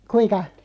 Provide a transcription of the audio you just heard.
kuinka